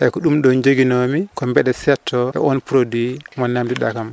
eyyi ko ɗumɗo joguinomi ko biɗa setto e on produit mo namdiɗakam o